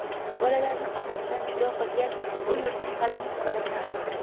bolalarni onasidan judo qilgan u yurtning g'alamis odamlarini ham